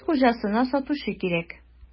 Кибет хуҗасына сатучы кирәк.